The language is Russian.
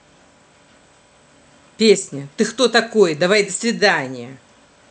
песня ты кто такой давай до свидания